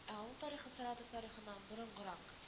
Ә аның тарихы саратов тарихыннан боронгырак